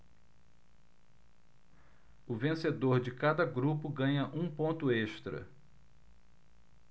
o vencedor de cada grupo ganha um ponto extra